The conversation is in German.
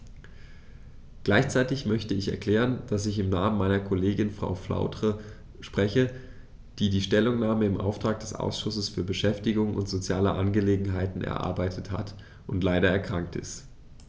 Gleichzeitig möchte ich erklären, dass ich im Namen meiner Kollegin Frau Flautre spreche, die die Stellungnahme im Auftrag des Ausschusses für Beschäftigung und soziale Angelegenheiten erarbeitet hat und leider erkrankt ist.